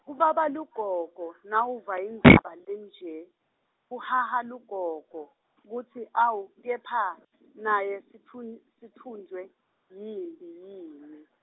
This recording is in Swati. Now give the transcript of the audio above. Kubaba lugogo, nawuva indzaba lenje, kuhaha lugogo, kutsi awu kepha, naye sitfu- sitfunjwe yimphi yini.